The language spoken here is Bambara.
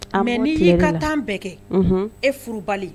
Mɛ n'i y'i ka tan bɛɛ kɛ e furubali